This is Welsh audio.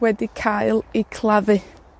wedi cael eu claddu.